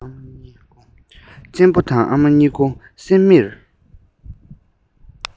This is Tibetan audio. གཅེན པོ དང ཨ མ གཉིས ཁུ སིམ མེར